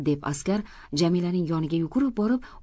deb askar jamilaning yoniga yugurib borib